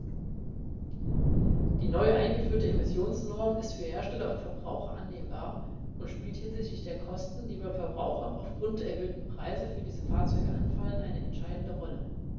Die neu eingeführte Emissionsnorm ist für Hersteller und Verbraucher annehmbar und spielt hinsichtlich der Kosten, die beim Verbraucher aufgrund der erhöhten Preise für diese Fahrzeuge anfallen, eine entscheidende Rolle.